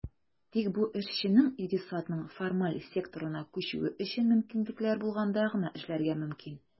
Тик бу эшченең икътисадның формаль секторына күчүе өчен мөмкинлекләр булганда гына эшләргә мөмкин.